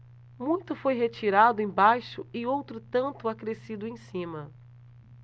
muito foi retirado embaixo e outro tanto acrescido em cima